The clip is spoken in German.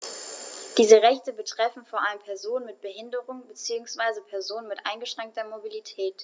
Diese Rechte betreffen vor allem Personen mit Behinderung beziehungsweise Personen mit eingeschränkter Mobilität.